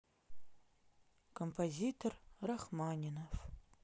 композитор рахманинов